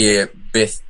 i byth